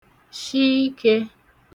shi ikē